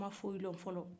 ma foyi lon fɔlɔ